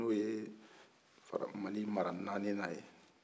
n'o ye mali mara naaninan ye